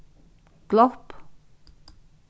glopp